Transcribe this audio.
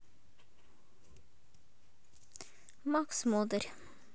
макс модарь